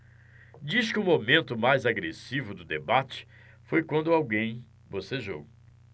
diz que o momento mais agressivo do debate foi quando alguém bocejou